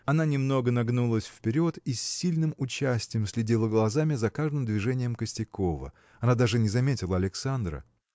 Она немного нагнулась вперед и с сильным участием следила глазами за каждым движением Костякова. Она даже не заметила Александра.